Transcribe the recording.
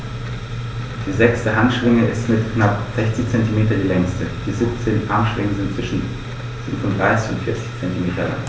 Die sechste Handschwinge ist mit knapp 60 cm die längste. Die 17 Armschwingen sind zwischen 35 und 40 cm lang.